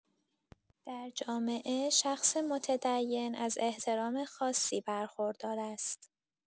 در جامعه، شخص متدین از احترام خاصی برخوردار است.